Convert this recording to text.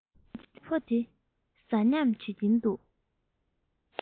ཙི ཙི ཕོ དེ ཟ སྙམ བྱེད ཀྱིན འདུག